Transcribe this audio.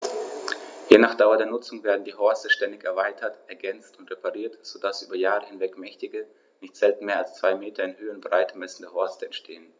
Je nach Dauer der Nutzung werden die Horste ständig erweitert, ergänzt und repariert, so dass über Jahre hinweg mächtige, nicht selten mehr als zwei Meter in Höhe und Breite messende Horste entstehen.